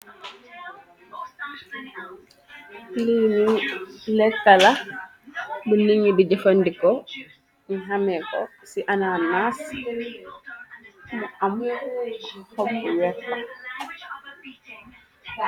Lii nii lekka la bu nit ñi di jëfandiko, ñu xamee ko ci anam maas bu am xobbbu werta.